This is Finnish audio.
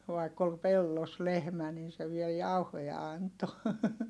vaikka oli pellossa lehmä niin se vielä jauhoja antoi